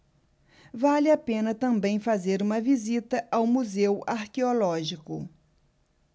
vale a pena também fazer uma visita ao museu arqueológico